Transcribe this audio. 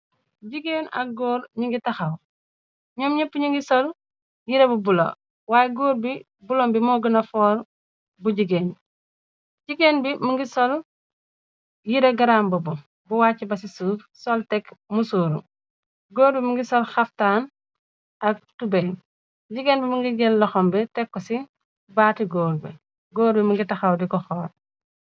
jigéen ak góor ñi ngi taxaw ñoom ñepp ñu ngi sol yira bu bulo waaye góor bi bulom bi moo gëna foor bu jigéen jigeen bi mu ngi sol yira garamb bu bu wàcc ba ci suuf sol tekk musuuru góor bi mu ngi sol xaftaan ak tube jigéen bi mi ngi gën loxom bi tekku ci baati góor bi góor bi më ngi taxaw diko xoor